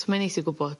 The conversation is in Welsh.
so mae'n neis i gwbo